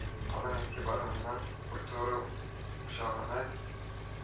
Аның игътибарының культура учагына